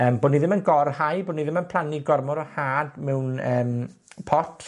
Yym bo' ni ddim yn gor-hau bo' ni ddim yn plannu gormod o had mewn yym pot,